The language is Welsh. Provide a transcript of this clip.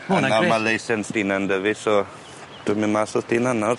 Ma' wnna'n grêt. A nawr ma' leisens dy unan 'dy fi so dwi'n mynd mas wrth d' unan nawr.